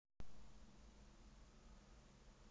слышь ты тварь я тебе соберусь с мыслями